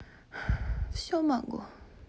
все могу